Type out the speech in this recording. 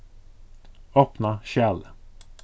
opna skjalið